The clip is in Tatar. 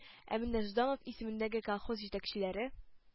Ә менә Жданов исемендәге колхоз җитәкчеләре